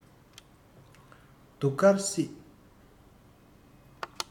གདུགས དཀར སྐྱིད